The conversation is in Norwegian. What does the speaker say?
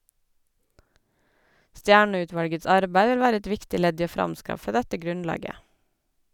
Stjernø-utvalgets arbeid vil være et viktig ledd i å framskaffe dette grunnlaget.